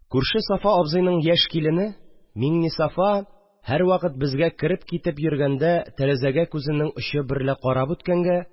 Күрше Сафа абзыйның яшь килене Миңлесафа һәрвакыт безгә кереп-китеп йөргәндә тәрәзәгә күзенең очы берлъкарап үткәнгә